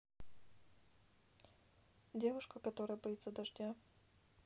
девушка которая боится дождя